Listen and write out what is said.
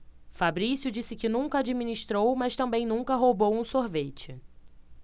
fabrício disse que nunca administrou mas também nunca roubou um sorvete